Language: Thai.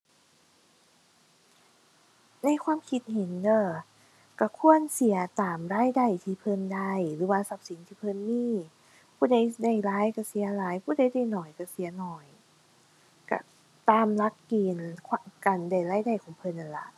ในความคิดเห็นเด้อ ก็ควรเสียตามรายได้ที่เพิ่นได้หรือว่าทรัพย์สินที่เพิ่นมี ผู้ใดได้หลายก็เสียหลาย ผู้ใดได้น้อยก็เสียน้อย ก็ตามหลักเกณฑ์ การได้รายได้ของเพิ่นนั่นล่ะ